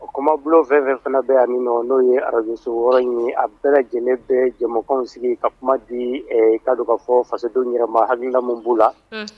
O kɔmabu fɛn fɛn fana bɛɛ yan min n'o ye arazso wɔɔrɔ ye a bɛɛ jɛnɛ bɛ jɛkanw sigi ka kuma di ka don ka fɔfadenw yɛrɛ ma hadamu b'u la